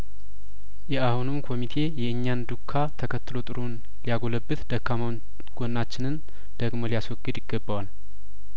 የአሁኑም ኮሚቴ የእኛን ዱካ ተከትሎ ጥሩውን ሊያጐለብት ደካማውን ጐናችንን ደግሞ ሊያስወግድ ይገባዋል